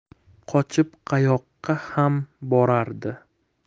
qochib qayoqqa ham borardi